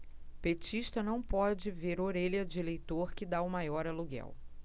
petista não pode ver orelha de eleitor que tá o maior aluguel